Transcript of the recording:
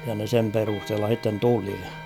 ja ne sen perusteella sitten tuli